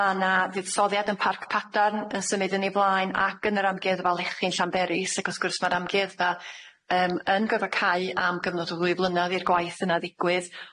Ma' 'na fuddsoddiad yn Parc Padarn yn symud yn ei flaen ac yn yr Amgueddfa Lechi'n Llanberis ac wrth gwrs ma'r amgueddfa yym yn gyrfo cau am gyfnod o ddwy flynedd i'r gwaith yna ddigwydd.